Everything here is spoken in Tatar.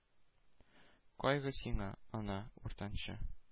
— кайгы сиңа, ана, уртанчы